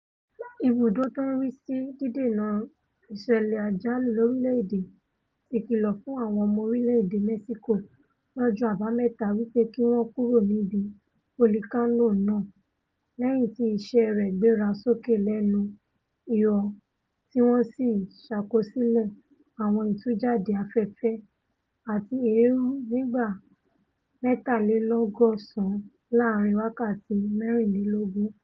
Ibùdò tó ń rísí Dídènà Ìṣẹ̀lẹ̀ Àjálù Lorílẹ̀-èdè ti kìlọ fún àwọn ọmọ orílẹ̀-èdè Mẹ́ṣíkò lọ́jọ́ Àbámẹ́ta wí pé kí wọn kùrò níbi fòlìkánò náà lẹ́yìn tí iṣẹ́ rẹ̀ gbéra sókè lẹ́nu ihò tí wọ́n sì ṣàkọsílẹ̀ àwọn ìtújáde afẹ́fẹ́ àti eérú nígbà mẹ́tàlélọ́gọ́sán láàrin wákàtí mẹ́riǹlélógún.